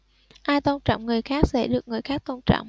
ai tôn trọng người khác sẽ được người khác tôn trọng